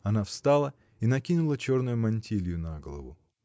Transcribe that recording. Она встала и накинула черную мантилью на голову.